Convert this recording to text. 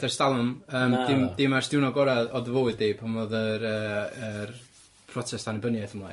...ers dalwm yym... Naddo. ...dim dim ers diwrnod gora' o dy fywyd di pan o'dd yr yy yr protest annibyniaeth ymlaen.